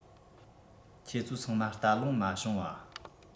ཁྱེད ཚོ ཚང མ བལྟ ལོང མ བྱུང བ